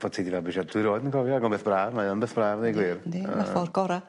bod ti 'di fabwysiadu. Dwi rioed yn gofio ag o'n beth braf mae o'n beth braf ddeu gwir. Ydi ydi ma' ffordd gora.